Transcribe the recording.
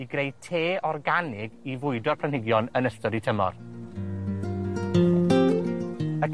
i greu te organig i fwydo'r planhigion yn ystod y tymor. Y